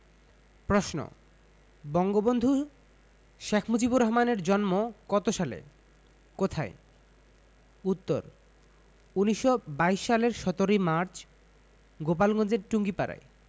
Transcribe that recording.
প্রশ্ন বঙ্গবন্ধু শেখ মুজিবুর রহমানের জন্ম কত সালে কোথায় উত্তর ১৯২২ সালের ১৭ মার্চ গোপালগঞ্জের টুঙ্গিপাড়ায়